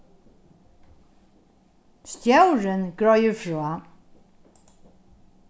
stjórin greiðir frá